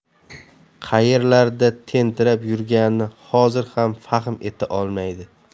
qaerlarda tentirab yurganini hozir ham fahm eta olmaydi